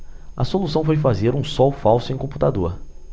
a solução foi fazer um sol falso em computador